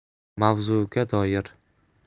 mavzuga doir